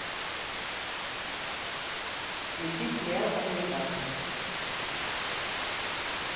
включи сериал американцы